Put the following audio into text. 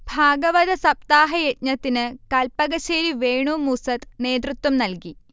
ഭാഗവതസപ്താഹ യജ്ഞത്തിന് കല്പകശ്ശേരി വേണു മൂസ്സത് നേതൃത്വം നൽകി